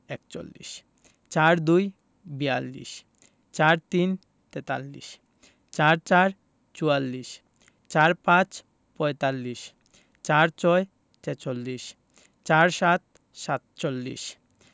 একচল্লিশ ৪২ - বিয়াল্লিশ ৪৩ - তেতাল্লিশ ৪৪ – চুয়াল্লিশ ৪৫ - পঁয়তাল্লিশ ৪৬ - ছেচল্লিশ ৪৭ - সাতচল্লিশ